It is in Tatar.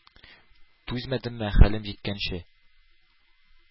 Түзмәдемме хәлем җиткәнче?